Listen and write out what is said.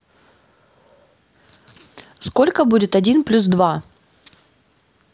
сколько будет один плюс два